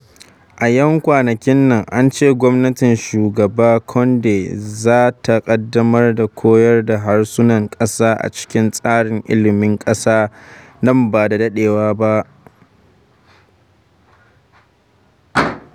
A ‘yan kwanakin nan, an ce gwamnatin Shugaba Condé za ta ƙaddamar da koyar da harsunan ƙasa a cikin tsarin ilimin ƙasar nan ba da daɗewa ba.